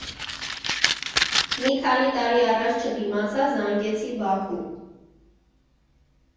Մի քանի տարի առաջ չդիմացա, զանգեցի Բաքու.